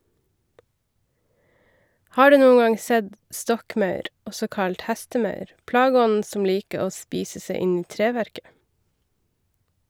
Har du noen gang sett stokkmaur, også kalt hestemaur, plageånden som liker å spise seg inn i treverket?